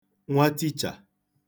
nwa tichà